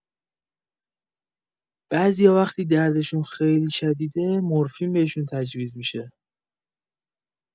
بعضیا وقتی دردشون خیلی شدیده، مرفین بهشون تجویز می‌شه.